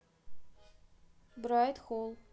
брайт холл